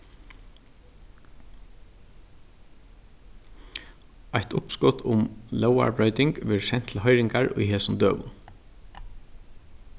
eitt uppskot um lógarbroyting verður sent til hoyringar í hesum døgum